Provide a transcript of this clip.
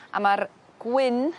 a ma'r gwyn